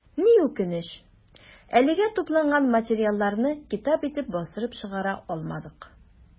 Ни үкенеч, әлегә тупланган материалларны китап итеп бастырып чыгара алмадык.